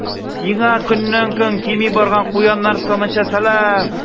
Сиңа көннән-көн кими барган куяннар санынча сәлам.